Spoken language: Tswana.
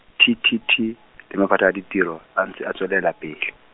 T T T, le maphata a ditiro, a ntse a tswelela pele.